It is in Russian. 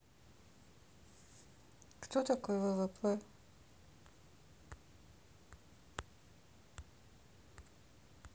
кто такой ввп